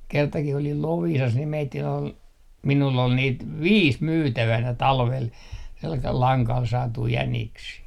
kertakin olin Loviisassa niin meidän oli minulla oli niitä viisi myytävänä talvella sellaisella langalla saatuja jäniksiä